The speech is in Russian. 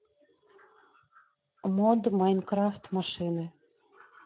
мод майнкрафт машины